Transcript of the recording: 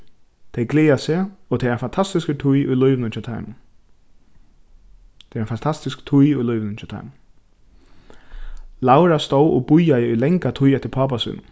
tey gleða seg og tað er ein fantastiskur tíð í lívinum hjá teimum tað er ein fantastisk tíð í lívinum hjá teimum laura stóð og bíðaði í langa tíð eftir pápa sínum